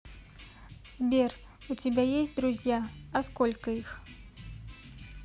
сбер у тебя есть друзья а сколько их